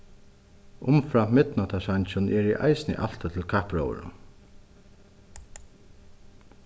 umframt midnáttarsangin eri eg eisini altíð til kappróðurin